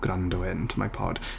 gwrando-ing to my pod.